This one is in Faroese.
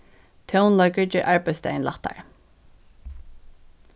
tónleikur ger arbeiðsdagin lættari